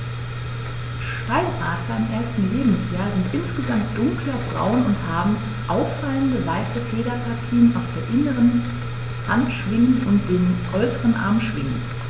Steinadler im ersten Lebensjahr sind insgesamt dunkler braun und haben auffallende, weiße Federpartien auf den inneren Handschwingen und den äußeren Armschwingen.